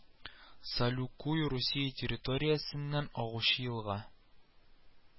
Салюкую Русия территориясеннән агучы елга